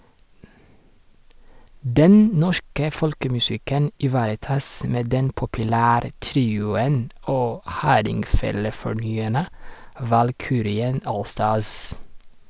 Den norske folkemusikken ivaretas med den populære trioen og hardingfelefornyerne Valkyrien Allstars.